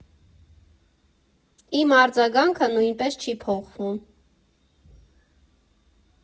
Իմ արձագանքը նույնպես չի փոխվում.